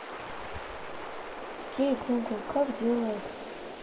окей гугл как делают